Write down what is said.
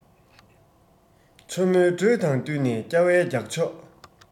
ཆུ མོའི འགྲོས དང བསྟུན ནས སྐྱ བའི རྒྱག ཕྱོགས